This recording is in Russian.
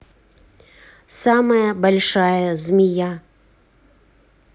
самая большая змея